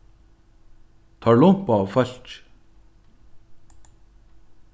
teir lumpaðu fólkið